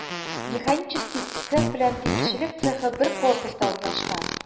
Механический цех белән тимерчелек цехы бер корпуста урнашкан